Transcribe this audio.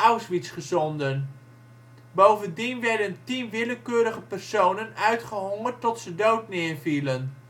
Auschwitz gezonden. Bovendien werden tien willekeurige personen uitgehongerd tot ze dood neervielen